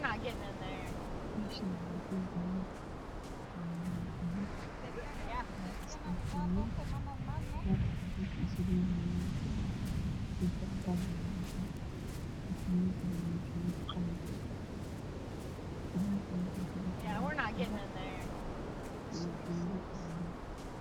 Meeshaani waa dhul banaan waxaa yaalo makiinad, waxaa istaagsan nin shaati cadaan ah iyo surwaal madow ah wato, koofi cadaan ah na waa wataa. Makiinaduna waa makiinad qalin ah. Banaankana waxaa kabaxaayo ubax iyo geedo cagaaran.